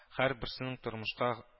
Һәрберсенең тормышка